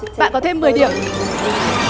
bạn có thêm mười điểm